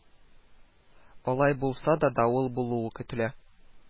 Алай булса да, давыл булуы көтелә